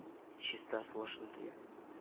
Чиста сулышын тоя